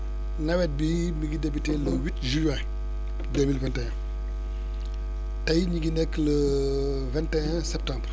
nawet bii mi ngi débuté le huit juin deux mille vingt :fa et un tey ñu ngi nekk le vingt et un septembre